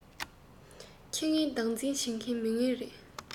ཁྱི ངན བདག འཛིན བྱེད མཁན མི ངན རེད